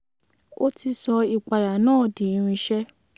O ti sọ ìpayà náà di irinṣẹ́.